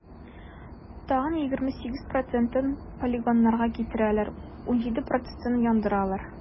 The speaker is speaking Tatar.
Тагын 28 процентын полигоннарга китерәләр, 17 процентын - яндыралар.